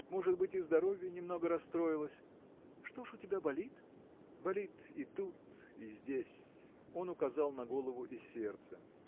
может быть, и здоровье немного, расстроилось. – Что ж у тебя болит? – Болит и тут, и здесь. – Он указал на голову и сердце.